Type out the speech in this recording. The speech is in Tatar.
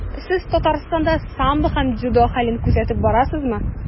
Сез Татарстанда самбо һәм дзюдо хәлен күзәтеп барасызмы?